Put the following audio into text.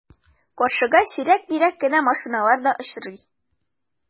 Каршыга сирәк-мирәк кенә машиналар да очрый.